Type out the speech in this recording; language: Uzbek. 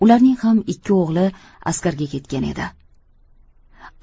ularning ham ikki o'g'li askarga ketgan edi